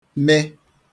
me